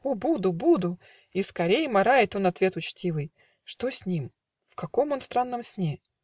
О буду, буду!" и скорей Марает он ответ учтивый. Что с ним? в каком он странном сне!